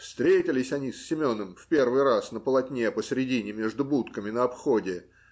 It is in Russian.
Встретились они с Семеном в первый раз на полотне, посередине между будками, на обходе